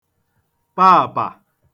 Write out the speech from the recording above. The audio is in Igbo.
paàpà